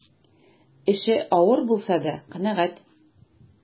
Эше авыр булса да канәгать.